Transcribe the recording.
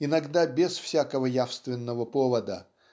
иногда без всякого явственного повода